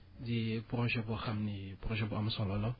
di projet boo ni projet bu am solo la